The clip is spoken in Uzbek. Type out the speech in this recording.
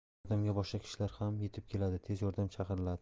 yordamga boshqa kishilar ham yetib keladi tez yordam chaqiriladi